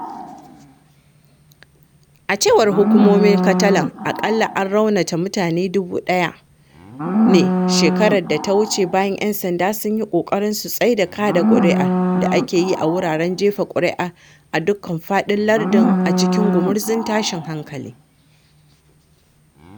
A cewar hukumomin Catalan aƙalla an raunata mutane 1000 ne shekarar da ta wuce bayan ‘yan sanda sun yi ƙoƙarin su tsaida kaɗa ƙuri’ar da ake yi a wuraren jefa ƙuri’ar a dukkan faɗin lardin a cikin gumurzun tashin hankali.